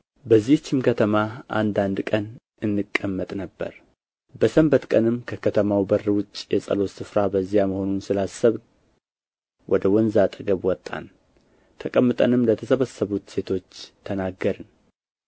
በዚህችም ከተማ አንዳንድ ቀን እንቀመጥ ነበር በሰንበት ቀንም ከከተማው በር ውጭ የጸሎት ስፍራ በዚያ መሆኑን ስላሰብን ወደ ወንዝ አጠገብ ወጣን ተቀምጠንም ለተሰበሰቡት ሴቶች ተናገርን